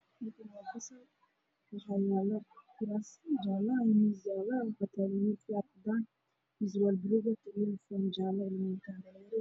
Waa iskuul waxaa jooga gabdhihii wiilal waxay wataan dhar jaale ah cashar ayey qorayaan macalin ayaa dhex taagan